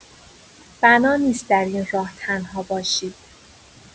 بنا نیست در این راه تنها باشید.